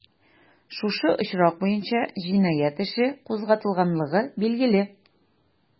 Шушы очрак буенча җинаять эше кузгатылганлыгы билгеле.